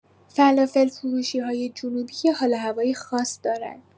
فلافل‌فروشی‌های جنوبی یه حال‌وهوای خاص دارن؛